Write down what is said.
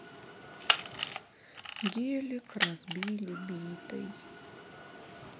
гелик разбили битой